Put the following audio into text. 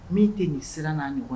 Min tɛ nin siran' ɲɔgɔn ye